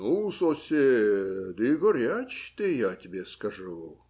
- Ну, сосед, и горяч ты, я тебе скажу.